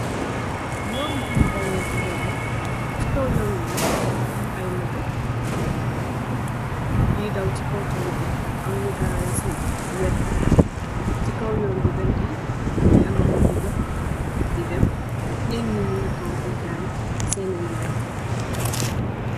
Yuu bung defareh godoron i kaw yuun bi nak mogi ameh ay moto yui daw di kaw si kaw taali bi am yu garage si wett bi si kaw yuun bi ben taay magi ameh nyui dox di dem nyenen nyi nyugi toog sen jaay di jaay.